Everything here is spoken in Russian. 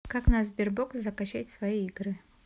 как на sberbox закачать свои игры